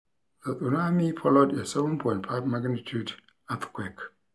The tsunami followed a 7.5 magnitude earthquake.